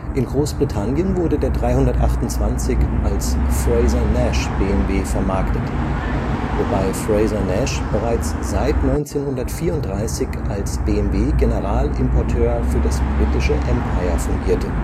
In Großbritannien wurde der 328 als Frazer-Nash-BMW vermarktet, wobei Frazer Nash bereits seit 1934 als BMW-Generalimporteur für das britische Empire fungierte